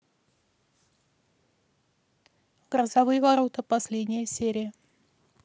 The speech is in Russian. грозовые ворота последняя серия